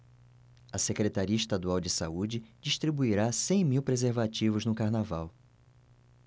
a secretaria estadual de saúde distribuirá cem mil preservativos no carnaval